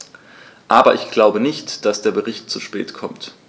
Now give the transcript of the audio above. Aber ich glaube nicht, dass der Bericht zu spät kommt.